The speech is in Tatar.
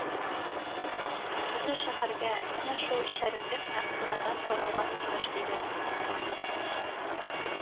Бөтен шәһәргә менә шул чәрелдек Мәгъфурәдән таралган, имеш, диләр